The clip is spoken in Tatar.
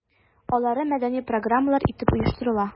Алары мәдәни программалар итеп оештырыла.